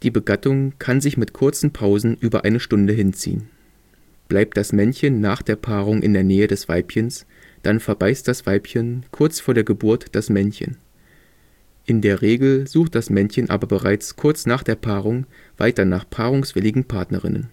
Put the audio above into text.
Begattung kann sich mit kurzen Pausen über eine Stunde hinziehen. Bleibt das Männchen nach der Paarung in der Nähe des Weibchens, dann verbeißt das Weibchen kurz vor der Geburt das Männchen. In der Regel sucht das Männchen aber bereits kurz nach der Paarung weiter nach paarungswilligen Partnerinnen